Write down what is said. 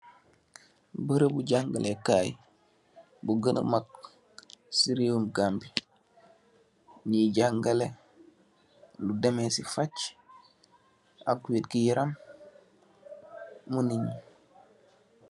Beureubu jangalee kaay, bu geuneuh mak, si raiweum Gambi, nyi jangaleh ludamee si fach ak wetgi yaram, mu ninyii.